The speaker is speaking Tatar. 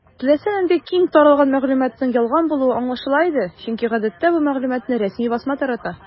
Теләсә нинди киң таралган мәгълүматның ялган булуы аңлашыла иде, чөнки гадәттә бу мәгълүматны рәсми басма тарата.